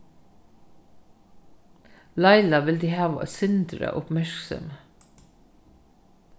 laila vildi hava eitt sindur av uppmerksemi